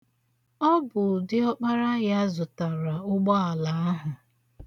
Ọ bụ diọkpara ya zụtara ụgbaala ahụ.